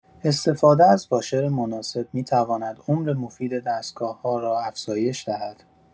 استفاده از واشر مناسب می‌تواند عمر مفید دستگاه‌ها را افزایش دهد.